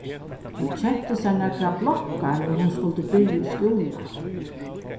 hon keypti sær nakrar blokkar nú hon skuldi byrja í skúla